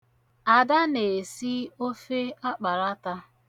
Ada na-esi ofe akparata.